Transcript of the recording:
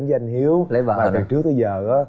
với anh hiếu lấy vợ từ trước tới giờ á